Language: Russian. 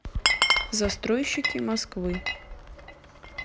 застройщики москвы